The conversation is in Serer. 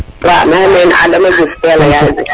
wa maxey meen Adama Diouf